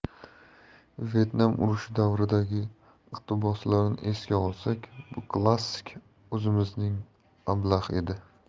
vyetnam urushi davridagi iqtiboslarni esga olsak bu klassik o'zimizning ablah edi